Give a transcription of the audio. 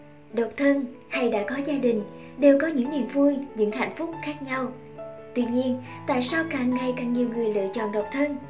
độc thân hay đã có gia đình đều có những niềm vui những hạnh phúc khác nhau tuy nhiên tại sao càng ngày càng nhiều người lựa chọn độc thân